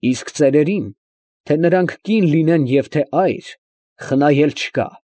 Իսկ ծերերին, թե նրանք կին լինեն և թե այր, խնայել չկա։